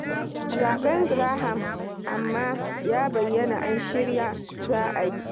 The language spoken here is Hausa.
Zaben Graham, amma, ya bayyana an shirya za a yi.